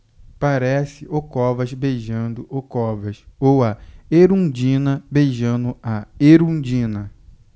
parece o covas beijando o covas ou a erundina beijando a erundina